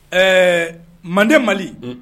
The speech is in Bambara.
Ɛɛ manden mali